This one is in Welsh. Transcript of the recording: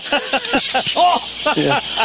O!